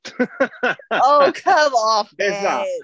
Oh come off it.